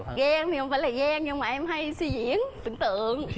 ghen thì không phải là ghen mà em hay suy diễn tưởng tượng